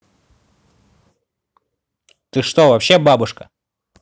ты что вообще бабушка